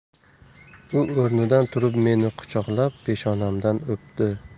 u o'rnidan turib meni quchoqlab peshonamdan o'pdi